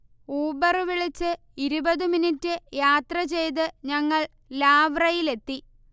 ഊബറുവിളിച്ച് ഇരുപത് മിനിറ്റ് യാത്ര ചെയ്ത് ഞങ്ങൾ ലാവ്റയിലെത്തി